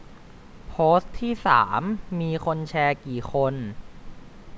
โพสต์ที่สามมีคนแชร์กี่คน